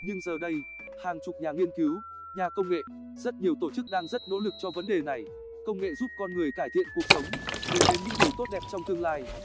nhưng giờ đây hàng chục nhà nghiên cứu nhà công nghệ rất nhiều tổ chức đang rất nỗ lực cho vấn đề này công nghệ giúp con người cải thiện cuộc sống hướng đến những điều tốt đẹp trong tương lai